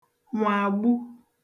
nwàgbu